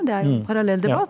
det jo parallell debatt.